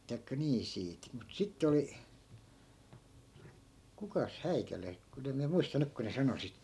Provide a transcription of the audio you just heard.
tai niin siitä mutta sitten oli kukas häikäle kun en minä muista nyt kun ne sanoi sitten